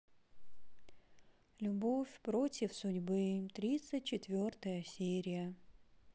любовь против судьбы тридцать четвертая серия